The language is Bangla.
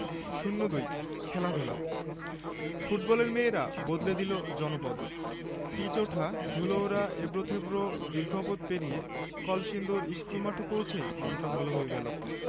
০২ খেলাধুলা ফুটবলের মেয়েরা বদলে দিল জনপদ পিচ ওঠা ধুলো ওড়া এবড়োথেবড়ো দীর্ঘ পথ পেরিয়ে কলসিন্দুর স্কুলমাঠে পৌঁছেই মনটা ভালো হয়ে গেল